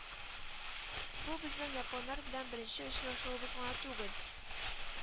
Бу безнең японнар белән беренче очрашуыбыз гына түгел